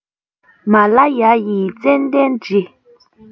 མ ལ ཡ ཡི ཙན དན དྲི